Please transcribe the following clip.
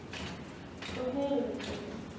Vorheriges bitte.